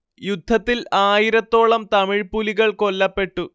യുദ്ധത്തിൽ ആയിരത്തോളം തമിഴ് പുലികൾ കൊല്ലപ്പെട്ടു